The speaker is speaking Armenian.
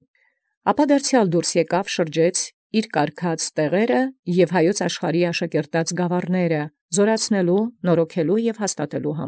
Կորյուն Ապա դարձեալ ելանէր, շրջէր զտեղեաւք կարգելովք և զգաւառաւքն աշակերտելովք աշխարհին Հայոց, զուարթացուցանել, նորոգել և հաստատել։